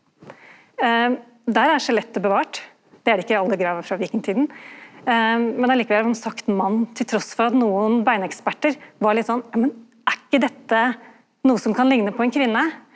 der er skjelettet bevart, det er det ikkje i alle graver frå vikingtida, men likevel har ein sagt mann trass i at nokon beinekspertar var litt sånn jammen er ikkje dette noko som kan likna på ei kvinne?